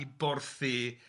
...i borthu